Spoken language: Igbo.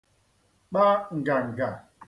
-kpa ngàngà